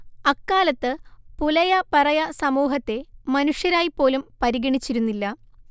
അക്കാലത്ത് പുലയപറയ സമൂഹത്തെ മനുഷ്യരായി പോലും പരിഗണിച്ചിരുന്നില്ല